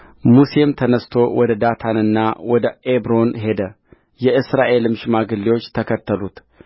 ሙሴም ተነሥቶ ወደ ዳታንና ወደ አቤሮን ሄደ የእስራኤልም ሽማግሌዎች ተከተሉትማኅበሩንም